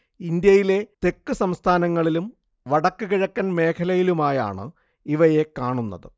ഇന്ത്യയിലെ തെക്കുസംസ്ഥാനങ്ങളിലും വടക്ക് കിഴക്കൻ മേഖലയിലുമാണ് ഇവയെ കാണുന്നത്